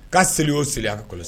K'a seli o seli a ka kɔlɔsi